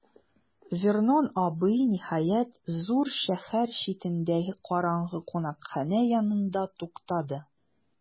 Вернон абый, ниһаять, зур шәһәр читендәге караңгы кунакханә янында туктады.